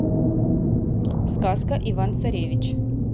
сказка иван царевич